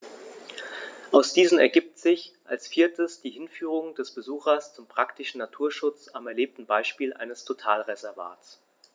Aus diesen ergibt sich als viertes die Hinführung des Besuchers zum praktischen Naturschutz am erlebten Beispiel eines Totalreservats.